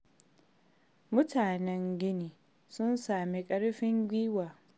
Mutanen Guinea, ku sami ƙarfin guiwa!